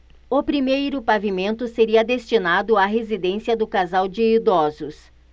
o primeiro pavimento seria destinado à residência do casal de idosos